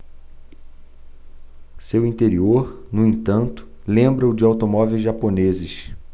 seu interior no entanto lembra o de automóveis japoneses